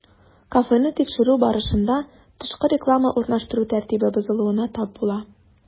Кафены тикшерү барышында, тышкы реклама урнаштыру тәртибе бозылуына тап була.